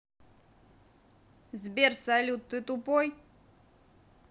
сбер салют ты тупой